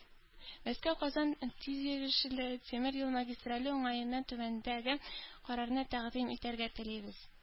“мәскәү-казан тизйөрешле тимер юл магистрале уңаеннан түбәндәге карарны тәкъдим итәргә телибез.